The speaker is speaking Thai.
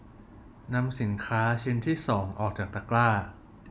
นำสินค้าชิ้นที่สองออกจากตะกร้า